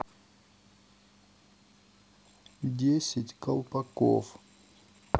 десять колпаков